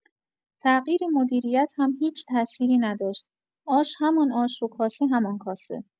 تغییر مدیریت هم هیچ تاثیری نداشت، آش همان آش و کاسه همان کاسه!